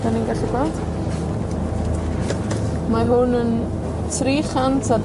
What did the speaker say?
'dan ni'n gallu gweld, mae hwn yn tri chant a